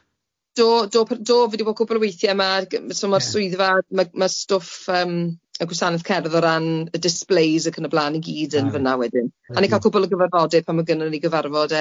Do do pyr- do fi 'di bod cwpwl o weithie ma' so ma'r swyddfa ma- ma' stwff yym y gwasanaeth cerdd o ran y displays ac yn y blan i gyd yn fanna wedyn a ni'n cael cwpwl o gyfarfodydd pan ma' gynnon ni gyfarfod de,